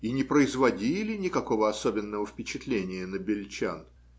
и не производили никакого особенного впечатления на бельчан.